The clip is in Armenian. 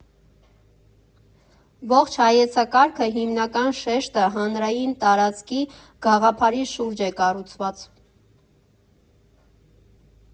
Ողջ հայեցակարգը հիմնական շեշտը հանրային տարածքի գաղափարի շուրջ է կառուցված։